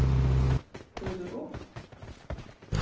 pílur upp